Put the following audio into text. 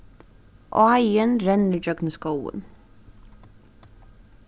áin rennur ígjøgnum skógin